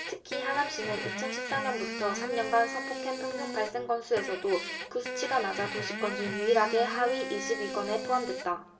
특히 하남시는 이천 십 사 년부터 삼 년간 성폭행 평균 발생 건수에서도 그 수치가 낮아 도시권 중 유일하게 하위 이십 위권에 포함됐다